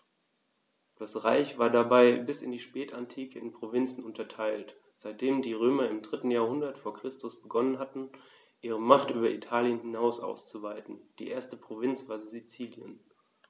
Das Reich war dabei bis in die Spätantike in Provinzen unterteilt, seitdem die Römer im 3. Jahrhundert vor Christus begonnen hatten, ihre Macht über Italien hinaus auszuweiten (die erste Provinz war Sizilien).